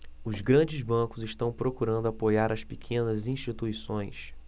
os grandes bancos estão procurando apoiar as pequenas instituições